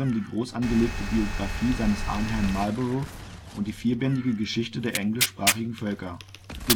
die großangelegte Biographie seines Ahnherrn Marlborough und die vierbändige Geschichte der englischsprachigen Völker